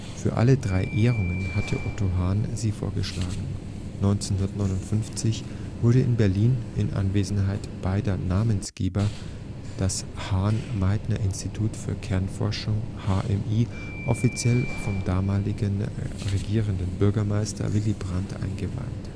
Für alle drei Ehrungen hatte Otto Hahn sie vorgeschlagen. 1959 wurde in Berlin – in Anwesenheit beider Namensgeber – das „ Hahn-Meitner-Institut für Kernforschung “(HMI) offiziell vom damaligen Regierenden Bürgermeister Willy Brandt eingeweiht